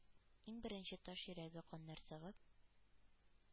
Иң беренче таш йөрәге каннар сыгып,